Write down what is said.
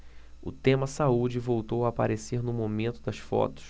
o tema saúde voltou a aparecer no momento das fotos